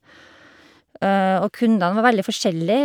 Og kundene var veldig forskjellig.